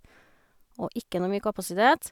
Og ikke noe mye kapasitet.